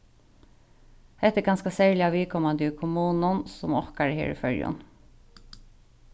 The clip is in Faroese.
hetta er kanska serliga viðkomandi í kommunum sum okkara her í føroyum